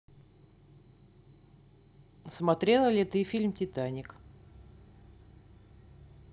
смотрела ли ты фильм титаник